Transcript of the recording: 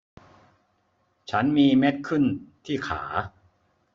ฉันมีเม็ดขึ้นที่ขา